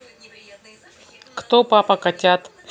кто папа котят